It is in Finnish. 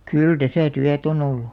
kyllä tässä työtä on ollut